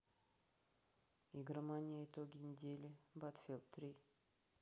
игромания итоги недели баттлфилд три